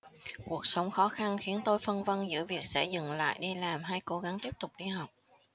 cuộc sống khó khăn khiến tôi phân vân giữa việc sẽ dừng lại đi làm hay cố gắng tiếp tục đi học